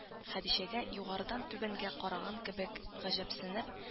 Хәдичәгә югарыдан түбәнгә караган кебек, гаҗәпсенеп